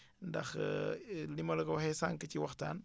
ndax ni ma la ko waxee sànq ci waxtaan